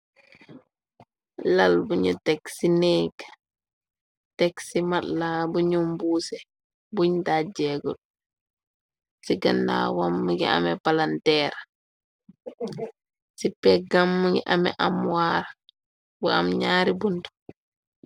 Lal bu ñu teg ci neeg. Teg ci matlaa bu mbuuse buñ dàjjeegul. Ci gannawam mingi ame palanterr, ci peggam mingi ame amuwarr bu am ñaari buntu.